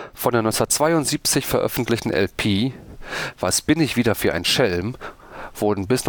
Von der 1972 veröffentlichten LP „ Was bin ich wieder für ein Schelm “wurden bis